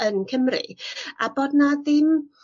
yn Cymru a bod 'na ddim